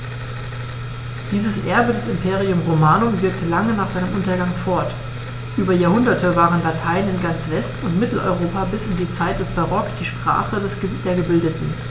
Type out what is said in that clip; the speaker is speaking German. Dieses Erbe des Imperium Romanum wirkte lange nach seinem Untergang fort: Über Jahrhunderte war Latein in ganz West- und Mitteleuropa bis in die Zeit des Barock die Sprache der Gebildeten.